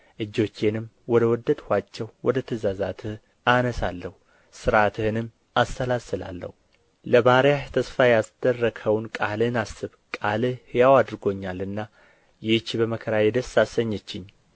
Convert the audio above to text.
እጆቼንም ወደ ወደድኋቸው ወደ ትእዛዛትህ አነሣለሁ ሥርዓትህንም አሰላስላሁ ለባሪያህ ተስፋ ያስደረግኸውን ቃልህን አስብ ቃልህ ሕያው አድርጎኛልና ይህች በመከራዬ ደስ አሰኘችኝ